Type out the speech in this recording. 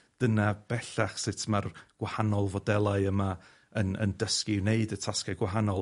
dyna bellach sut ma'r gwahanol fodelau yma yn yn dysgu i wneud y tasge gwahanol.